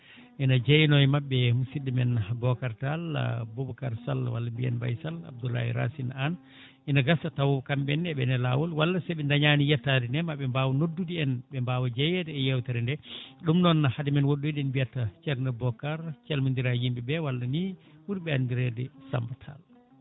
ene jeyano e mabɓe e musidɗo men Bocar Tall walla Bobacar Sall walla mbiyen Mbaye Sall Abdoulaye Racine Anne ina gasa tawa kamɓene eɓene e lawol walla siɓe dañani yettade ni moɓe mbaw noddu en ɓe mbawa jeeyede e yewtere nde ɗum noon haade men woɗɗoyde en mbiyat ceerno Bocar calmodira e yimɓeɓe walla ni ɓurɓe andirede Samba Tall